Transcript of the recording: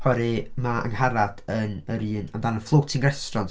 Oherwydd mae Angharad... yn yr un amdan y Floating Restaurant.